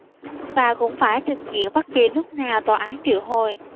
bà cũng phải trình diện bất kỳ lúc nào tòa án triệu hồi